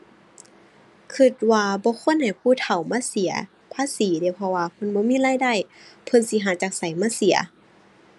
คิดว่าบ่ควรให้ผู้เฒ่ามาเสียภาษีเดะ เพราะว่าเพิ่นบ่มีรายได้ เพิ่นสิหาจากไสมาเสีย